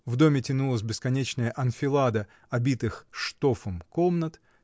В доме тянулась бесконечная анфилада обитых штофом комнат